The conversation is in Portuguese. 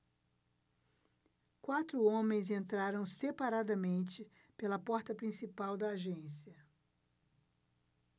quatro homens entraram separadamente pela porta principal da agência